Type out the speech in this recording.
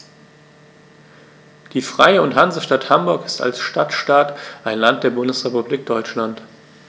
Die Freie und Hansestadt Hamburg ist als Stadtstaat ein Land der Bundesrepublik Deutschland.